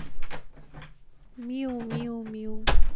миу миу миу